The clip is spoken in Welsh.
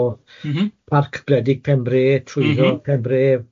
...o'r Parc Gledig Penbre... M-hm. ...trwyddo Penbre... M-hm.